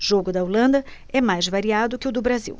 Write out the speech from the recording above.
jogo da holanda é mais variado que o do brasil